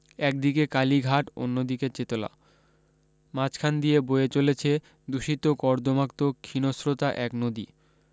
এক দিকে কালীঘাট অন্য দিকে চেতলা মাঝখান দিয়ে বয়ে চলেছে দূষিত কর্দমাক্ত ক্ষীণস্রোতা এক নদী